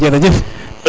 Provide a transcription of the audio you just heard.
jerejef